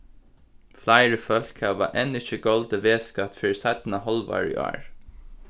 fleiri fólk hava enn ikki goldið vegskatt fyri seinna hálvár í ár